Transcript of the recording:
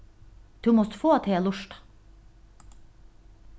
tú mást fáa tey at lurta